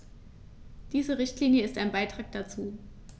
Diese Richtlinie ist ein Beitrag dazu.